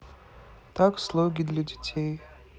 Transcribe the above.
так слоги для детей